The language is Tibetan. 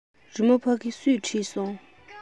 རི མོ ཕ གི སུས བྲིས སོང